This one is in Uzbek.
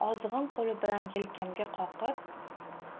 ozg'in qo'li bilan yelkamga qoqib